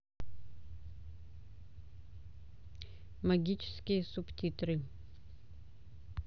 магические субтитры